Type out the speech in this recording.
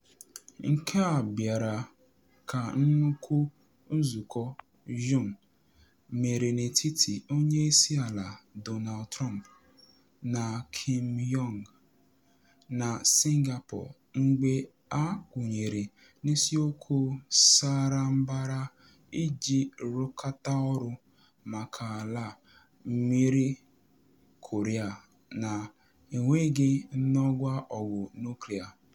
Nke a bịara ka nnukwu nzụkọ Juun mere n’etiti Onye Isi Ala Donald Trump na Kim Jong-un na Singapore, mgbe ha kwenyere n’isiokwu sara mbara iji rụkọta ọrụ maka ala mmiri Korea na enweghị ngwa ọgụ nuklịa.